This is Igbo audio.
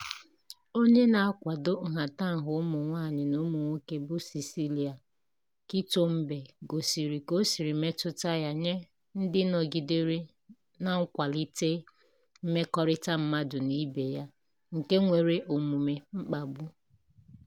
Onye na-akwado nhatanha ụmụ nwaanyị na ụmụ nwoke bụ Cecília Kitombé gosiri ka o si metụta ya nye ndị nọgidere na-akwalite mmekọrịta mmadụ na ibe ya nke nwere omume mkpagbu: